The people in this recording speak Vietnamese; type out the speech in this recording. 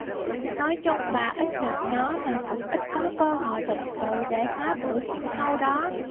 nói chung bà ít gặp nó mà cũng ít có cơ hội thật sự để phá tổ chim câu đó